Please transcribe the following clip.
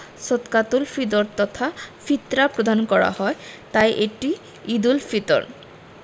সদকাতুল ফিতর তথা ফিতরা প্রদান করা হয় তাই এটি ঈদুল ফিতর